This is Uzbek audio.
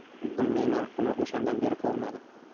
bilmayman uni o'shandan beri ko'rmadim